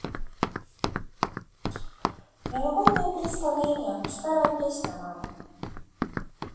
новогоднее представление старая песня мама